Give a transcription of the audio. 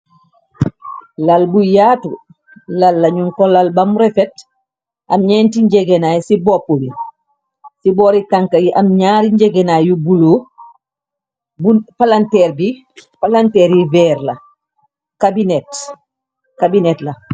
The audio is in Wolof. Lal bu yaatu lal lañu kolal bam refet am ñeenti njegenaay ci bopp bi ci boori tank yi am ñaari njegenaay yu bulo bu palanteer bi palanteer yi veer la kabinet kabinet la.